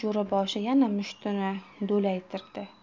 jo'raboshi yana mushtini do'laytirdi